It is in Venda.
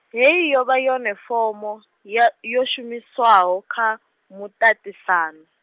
hei yo vha yone fomo ya, yo shumishwaho, kha muṱaṱisano.